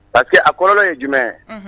Pa que a kɔrɔ ye jumɛn